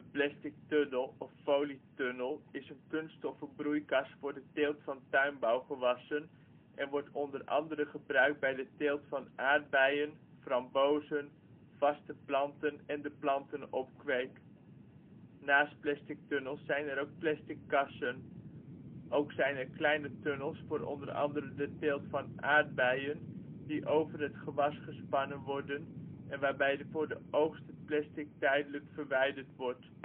plastic tunnel of folie tunnel is een kunststoffen broeikas voor de teelt van tuinbouwgewassen en wordt o.a. gebruikt bij de teelt van aardbeien, frambozen, vaste planten en de plantenopkweek. Naast plastic tunnels zijn er ook plastic kassen. Ook zijn er kleine tunnels voor o.a. de teelt van aardbeien, die over het gewas gespannen worden en waarbij voor de oogst het plastic tijdelijk verwijderd wordt